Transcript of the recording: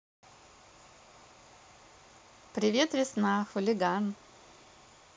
привет весна хулиган